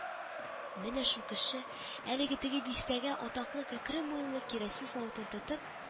Менә шул кеше, әлеге теге бөтен бистәгә атаклы кәкре муенлы керосин савытын тотып